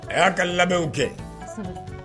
A y'a ka labɛnw kɛ